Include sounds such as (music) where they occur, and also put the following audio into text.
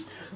(hesitation) (hesitation)